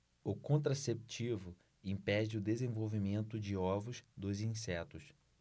o contraceptivo impede o desenvolvimento de ovos dos insetos